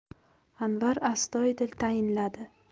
anvar astoydil tayinladi